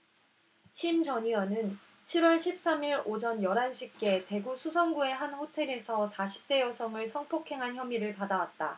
심 전 의원은 칠 월 십 삼 일 오전 열 한 시께 대구 수성구의 한 호텔에서 사십 대 여성을 성폭행한 혐의를 받아 왔다